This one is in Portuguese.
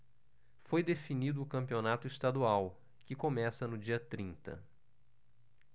foi definido o campeonato estadual que começa no dia trinta